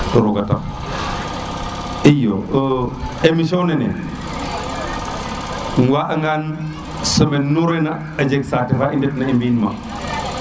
to roga tax i yo emission nene waag angan semaine nu ref na a jeg sate fa i ndet na i mbi in ma